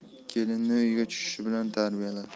kelinni uyga tushishi bilan tarbiyala